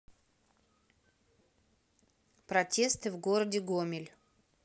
протесты в городе гомель